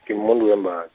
ngimumuntu wemba.